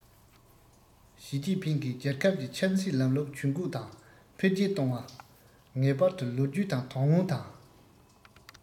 ཞིས ཅིན ཕིང གིས རྒྱལ ཁབ ཀྱི ཆབ སྲིད ལམ ལུགས ཇུས བཀོད དང འཕེལ རྒྱས གཏོང བར ངེས པར དུ ལོ རྒྱུས དང དོན དངོས དང